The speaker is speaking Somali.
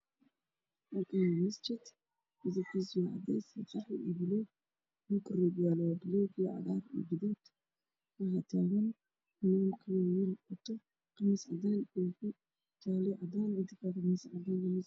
Halkaan waa masaajid midabkiisu cadeys, qaxwi, buluug, rooga yaalo waa gaduud, buluug, cagaar, waxaa taagan wiil wato qamiis cadaan ah, koofi jaale iyo cadaan, miis cadaan ah.